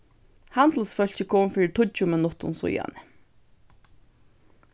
handilsfólkið kom fyri tíggju minuttum síðani